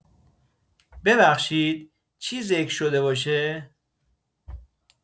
ببخشید چی ذکر شده باشه؟